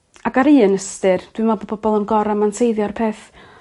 Ac ar un ystyr dwi me'wl bo' bobol yn gor ramanteiddio'r peth.